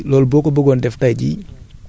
loolu yépp matière organque d' origine animal la